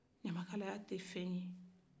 ɲamakalaya tɛ fɛn ye